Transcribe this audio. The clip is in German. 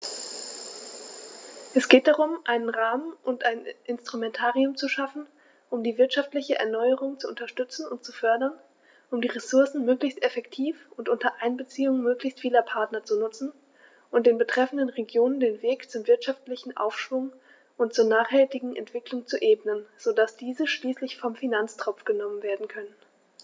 Es geht darum, einen Rahmen und ein Instrumentarium zu schaffen, um die wirtschaftliche Erneuerung zu unterstützen und zu fördern, um die Ressourcen möglichst effektiv und unter Einbeziehung möglichst vieler Partner zu nutzen und den betreffenden Regionen den Weg zum wirtschaftlichen Aufschwung und zur nachhaltigen Entwicklung zu ebnen, so dass diese schließlich vom Finanztropf genommen werden können.